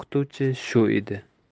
o'qituvchi shu edi